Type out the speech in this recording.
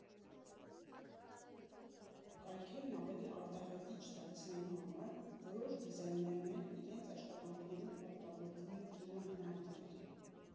Կայքերն ավելի արտահայտիչ դարձնելու համար որոշ դիզայներներ իրենց աշխատանքներում օգտագործում են կինո հնարքներ։